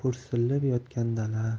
po'rsillab yotgan dala